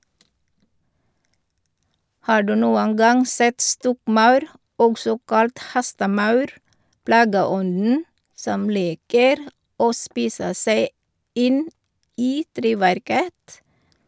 Har du noen gang sett stokkmaur , også kalt hestemaur, plageånden som liker å spise seg inn i treverket?